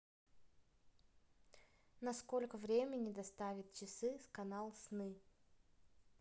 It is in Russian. на сколько времени доставит часы с канал сны